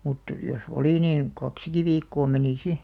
mutta jos oli niin kaksikin viikkoa meni sitten